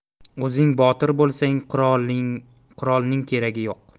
o'zing botir bo'lsang qurolning keragi yo'q